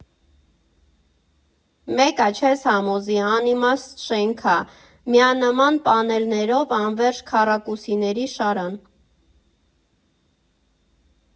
Մեկ ա, չես համոզի, անիմաստ շենք ա, միանման պանելներով, անվերջ քառակուսիների շարան…